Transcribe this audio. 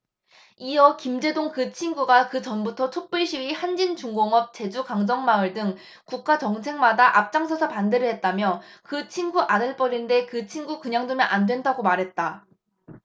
이어 김제동 그 친구가 그 전부터 촛불시위 한진중공업 제주강정마을 등 국가 정책마다 앞장서서 반대를 했다며 그 친구 아들뻘인데 그 친구 그냥 두면 안 된다고 말했다